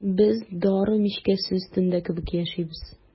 Без дары мичкәсе өстендә кебек яшибез.